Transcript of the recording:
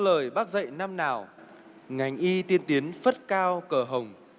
lời bác dạy năm nào ngành y tiên tiến phất cao cờ hồng